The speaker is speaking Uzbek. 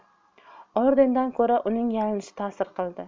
ordendan ko'ra uning yalinishi tasir qildi